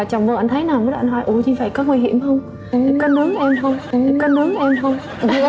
chồng vô ảnh thấy nằm thế ảnh hỏi ủa thế có nguy hiểm không có nướng em hông có nướng em hông